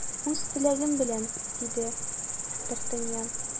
Үз теләгем белән! - диде д’Артаньян.